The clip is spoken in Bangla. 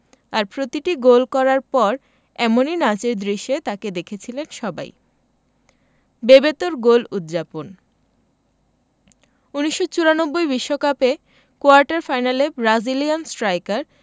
আর প্রতিটি গোল করার পর এমনই নাচের দৃশ্যে তাঁকে দেখেছিলেন সবাই বেবেতোর গোল উদ্ যাপন ১৯৯৪ বিশ্বকাপে কোয়ার্টার ফাইনালে ব্রাজিলিয়ান স্ট্রাইকার